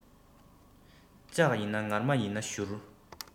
ལྕགས ཡིན ན ངར མར ཡིན ན བཞུར